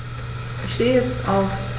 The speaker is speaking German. Ich stehe jetzt auf.